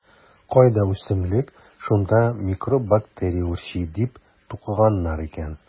Кайда үсемлек - шунда микроб-бактерия үрчи, - дип тукыганнар икән.